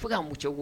Fo bɛ ka mun cɛ